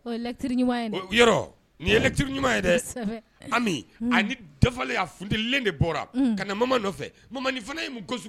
Nin ɲuman ye ani dafa ftilen de bɔra kana na mama nɔfɛ bamanan fana